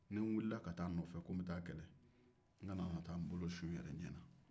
ni n' wulila ka taa nɔfɛ ko n' bɛ taa a kɛlɛ n' kana na taa n' bolo su n' ɲɛ na